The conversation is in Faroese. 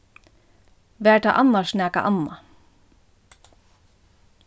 var tað annars nakað annað